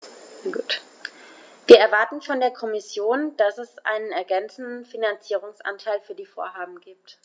Wir erwarten von der Kommission, dass es einen ergänzenden Finanzierungsanteil für die Vorhaben gibt.